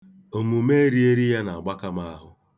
Omume erieri ya na-agbaka m ahụ.